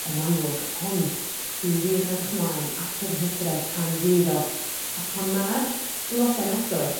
yn amlwg ond dwi wir yn edrych mlaen at yr Hydref pan fydd o a pan ma'r blode'n agor